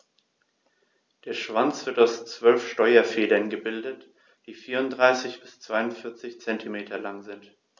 Der Schwanz wird aus 12 Steuerfedern gebildet, die 34 bis 42 cm lang sind.